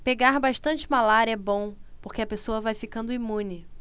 pegar bastante malária é bom porque a pessoa vai ficando imune